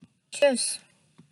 མཆོད སོང